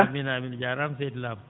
amine amine a jaaraama seydi Lam